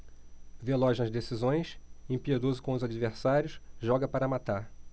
veloz nas decisões impiedoso com os adversários joga para matar